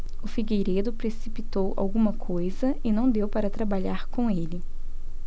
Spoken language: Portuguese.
o figueiredo precipitou alguma coisa e não deu para trabalhar com ele